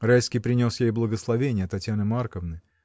Райский принес ей благословение Татьяны Марковны.